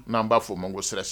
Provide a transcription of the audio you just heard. N'an b'a fɔo ma ko sira